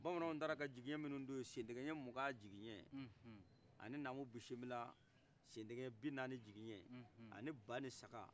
bamananw taara ka digiɲɛ munu to ye sen tɛkɛ ɲɛ mukan digiɲɛ ani namu bisimila sen tɛkɛ ɲɛ binani ani ba ni saka